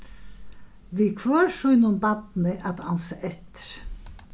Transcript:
við hvør sínum barni at ansa eftir